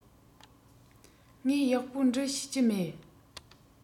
ངས ཡག པོ འབྲི ཤེས ཀྱི མེད